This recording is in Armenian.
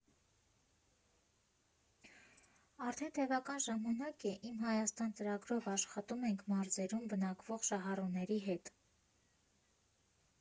Արդեն տևական ժամանակ է «Իմ Հայաստան» ծրագրով աշխատում ենք մարզերում բնակվող շահառուների հետ։